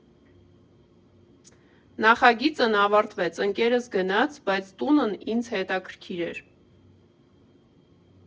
Նախագիծն ավարտվեց, ընկերս գնաց, բայց տունն ինձ հետաքրքիր էր։